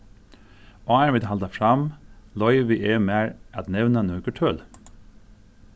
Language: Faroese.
áðrenn vit halda fram loyvi eg mær at nevna nøkur tøl